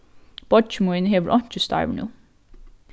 beiggi mín hevur einki starv nú